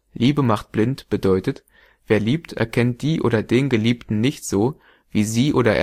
Liebe macht blind “bedeutet: Wer liebt, erkennt die oder den Geliebten nicht so, wie sie oder